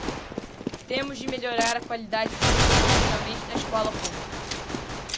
temos de melhorar a qualidade do ensino especialmente na escola pública